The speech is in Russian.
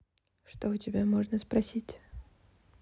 что у тебя можно спросить